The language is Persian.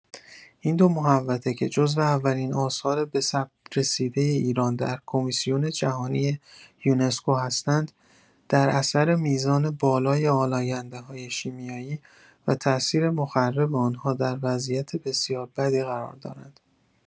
این دو محوطه که جزو اولین آثار به ثبت رسیده ایران در کمیسیون جهانی یونسکو هستند، در اثر میزان بالای آلاینده‌های شیمیایی و تاثیر مخرب آن‌ها در وضعیت بسیار بدی قرار دارند.